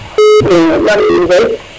nam mbi u koy